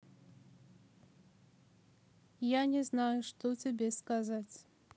я не знаю что тебе сказать